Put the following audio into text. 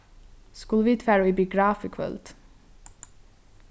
skulu vit fara í biograf í kvøld